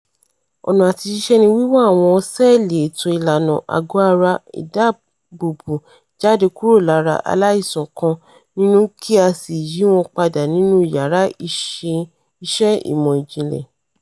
Ọ̀nà àtiṣiṣẹ́ ní wíwa àwọn ṣẹ́ẹ̀lì ètò ìlànà àgọ́-ara ìdáààbòbò jáde kúrò lára aláìsàn kan nínú, kí á sì yíwọn padà nínú yàrá iṣẹ́ ìmọ̀ ìjìnlẹ̀